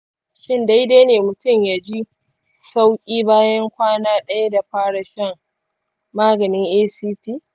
shin daidai ne mutum ya ji sauƙi bayan kwana ɗaya da fara shan maganin act?